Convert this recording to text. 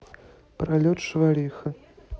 пролет швариха